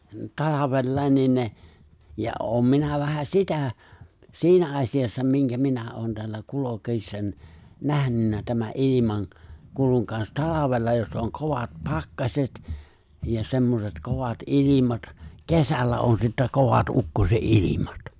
talvella niin ne ja olen minä vähän sitä siinä asiassa minkä minä olen täällä kulkiessa nähnyt tämän - ilmankulun kanssa talvella jos on kovat pakkaset ja semmoiset kovat ilmat kesällä on sitten kovat ukkosenilmat